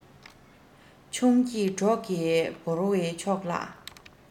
ཆུང སྐྱེས གྲོགས ཀྱིས བོར བའི ཕྱོགས ལ